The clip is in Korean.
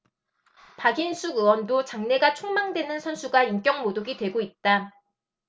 박인숙 의원도 장래가 촉망되는 선수가 인격모독이 되고 있다